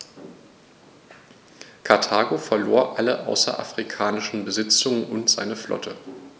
Karthago verlor alle außerafrikanischen Besitzungen und seine Flotte.